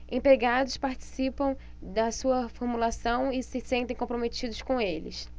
empregados participam da sua formulação e se sentem comprometidos com eles